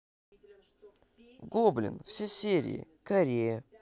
гоблин все серии корея